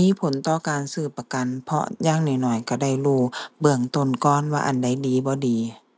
มีผลต่อการซื้อประกัน เพราะอย่างน้อยน้อยก็ได้รู้เบื้องต้นก่อน ว่าอันใดดีบ่ดี